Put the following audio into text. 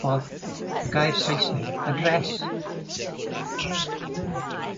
O'dd y gair Saesneg, address.